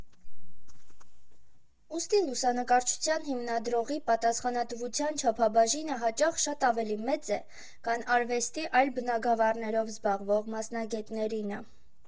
Ուստի, լուսանկարչության համադրողի պատասխանատվության չափաբաժինը հաճախ շատ ավելի մեծ է, քան արվեստի այլ բնագավառներով զբաղվող մասնագետներինը։